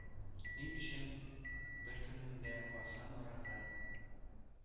Ни өчен беркемнең дә арзан аракы